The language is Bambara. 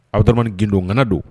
Abudaramani Gindo ŋana don.